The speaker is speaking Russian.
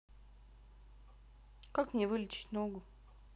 как мне вылечить ногу